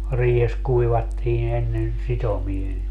riihessä kuivattiin ennen sitomia